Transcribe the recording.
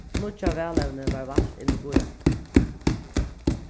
nýggja valevnið varð valt inn í býráðið